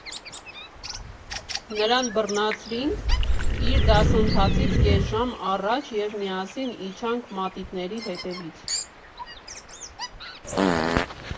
Նրան բռնացրինք իր դասընթացից կես ժամ առաջ և միասին իջանք մատիտների հետևից։